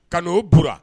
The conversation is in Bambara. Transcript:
Ka n'o b